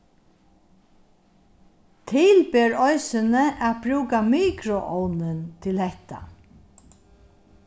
til ber eisini at brúka mikroovnin til hetta